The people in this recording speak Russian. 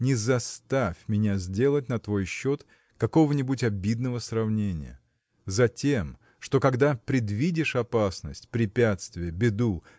не заставь меня сделать на твой счет какого-нибудь обидного сравнения. Затем что когда предвидишь опасность препятствие беду